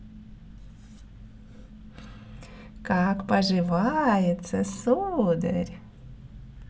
как поживается сударь